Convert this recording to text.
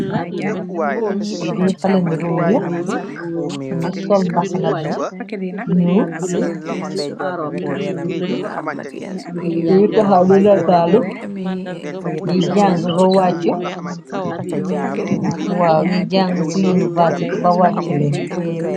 yidi xalim nguur la nu sol mbaxna bu ñu taxaw di nataalu ànb wàc ñu jàng ci universite ba wàccle